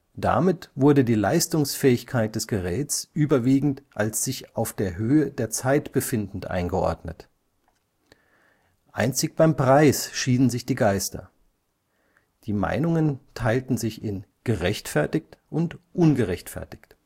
Damit wurde die Leistungsfähigkeit des Geräts überwiegend als sich auf der Höhe der Zeit befindend eingeordnet. Einzig beim Preis schieden sich die Geister: die Meinungen teilten sich in „ gerechtfertigt “und „ ungerechtfertigt